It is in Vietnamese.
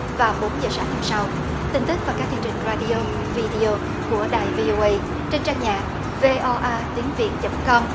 và bốn giờ sáng hôm sau tin tức và các chương trình ra đi ô vi đê ô của đài vi ô ây trên trang nhà vê o a tiếng việt chấm com